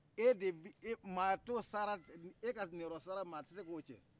e de maa t'o sara i ka niyɔrɔ sara maa tɛ se k'o cɛ